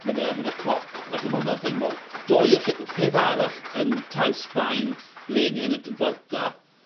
mynd yn erbyn y cloc felly ma' hwnna'n thing mowr... Dou rhe- peth arall yn taith Sbaen leni yn y dy- Vuelta